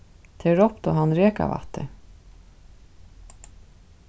tey róptu hann rekavætti